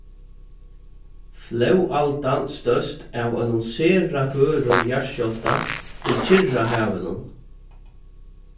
flóðaldan stóðst av einum sera hørðum jarðskjálvta í kyrrahavinum